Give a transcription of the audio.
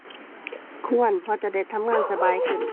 ควร เพราะจะได้ทำงานสบายขึ้น